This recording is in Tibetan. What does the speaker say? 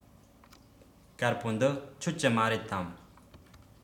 དཀར པོ འདི ཁྱོད ཀྱི མ རེད དམ